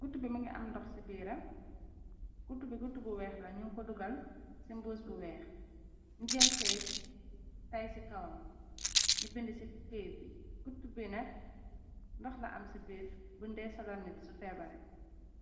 gootu bi mongi am ndox si biram gootu bi gootu bu weex la nyun ko dugal si mbuss bu weex nyu kel keyt tay si kawam nyu binda si keyt bi gootu bi nak ndox la am si birr bung de solal nitt su febarr ree.